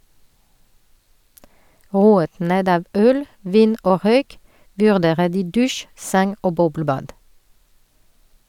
Roet ned av øl, vin og røyk vurderer de dusj, seng og boblebad.